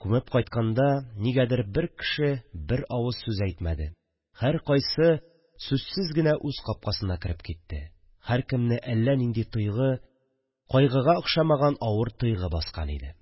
Күмеп кайтканда нигәдер бер кеше бер авыз сүз әйтмәде, һәркайсы сүзсез генә үз капкасына кереп китте, һәркемне әллә нинди тойгы, кайгыга охшамаган авыр тойгы баскан иде